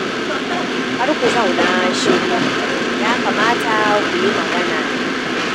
Kar ku zauna shiru- yakamata ku yi magana.”